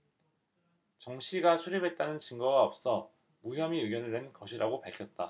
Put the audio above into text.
정씨가 출입했다는 증거가 없어 무혐의 의견을 낸 것이라고 밝혔다